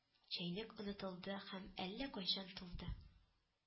Чәйнек онытылды һәм әллә кайчан тулды